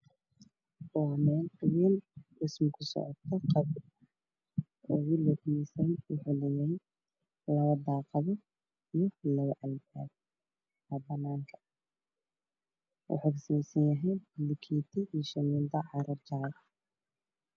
Waa guri dhismo ku socoto waxa uu ka sameysan yahay bulukeeti shamiindo midabkiisu yahay madow albaaba ayuu leeyahay wayna furan yihiin